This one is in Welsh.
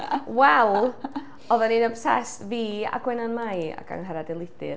Wel, oeddan ni'n obsessed fi a Gwenan Mai ac Angharad Elidir.